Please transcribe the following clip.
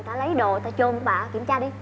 ta lấy đồ người ta chôm của bà á kiếm tra đi